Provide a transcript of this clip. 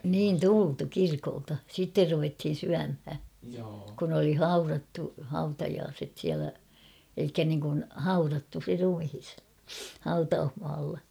niin tultu kirkolta sitten ruvettiin syömään kun oli haudattu hautajaiset siellä eli niin kuin haudattu se ruumis hautausmaalla